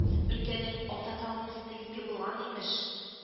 Өлкәнең ата коммунисты изге булган, имеш